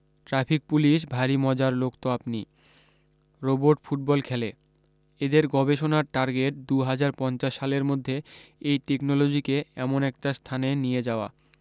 traffic police ভারী মজার লোক তো আপনি রোবোট ফুটবল খেলে এদের গবেষণার টার্গেট দুহাজার পঞ্চাশ সালের মধ্যে এই টেকনোলজিকে এমন একটা স্থানে নিয়ে যাওয়া